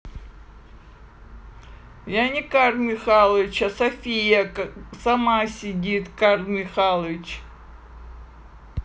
я не карл михайлович а софия сама сидит карл михайлович